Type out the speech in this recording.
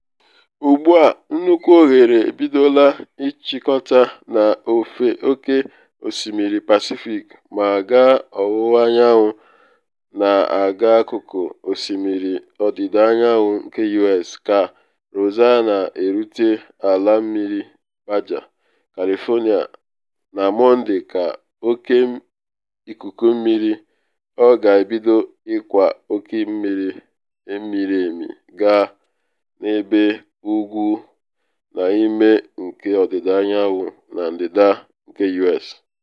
Ugbu a, nnukwu oghere ebidola ịchịkọta n’ofe Oke Osimiri Pacific ma gaa ọwụwa anyanwụ na-aga Akụkụ Osimiri Ọdịda Anyanwụ nke U.S. Ka Rosa na erute ala mmiri Baja California na Mọnde ka oke ikuku mmiri, ọ ga-ebido ịkwa oke mmiri miri emi gaa n’ebe ugwu n’ime nke ọdịda anyanwụ na ndịda nke U.S.